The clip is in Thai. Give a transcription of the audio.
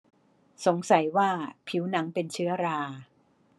สงสัยว่าผิวหนังเป็นเชื้อรา